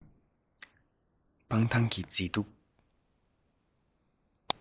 སྤང ཐང གི མཛེས སྡུག